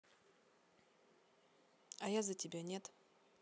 а я за тебя нет